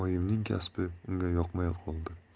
oyimning kasbi unga yoqmay qoldi